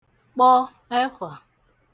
kpọ ẹkwà